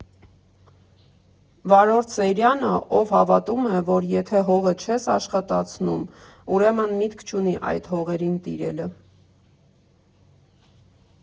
Վարորդ Սեյրանը, ով հավատում է, որ եթե հողը չես աշխատացնում, ուրեմն միտք չունի այդ հողերին տիրելը։